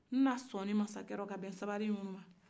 na sɔnna masakɛ la ka bɛn sabari ma